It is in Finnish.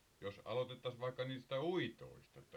jos aloitettaisiin vaikka niistä uitoista että